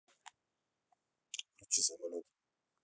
включи самолет